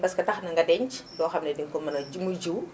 parce que tax na nga denc loo xam ni dinga ko mën a muy jiwu jiwu